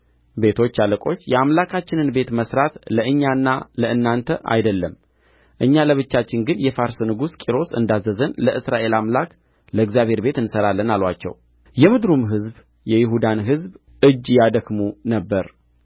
ቤቶች አለቆች የአምላካችንን ቤት መሥራት ለእኛና ለእናንተ አይደለም እኛ ለብቻችን ግን የፋርስ ንጉሥ ቂሮስ እንዳዘዘን ለእስራኤል አምላክ ለእግዚአብሔር ቤት እንሠራለን አሉአቸው የምድሩም ሕዝብ የይሁዳን ሕዝብ እጅ ያደክሙ ነበር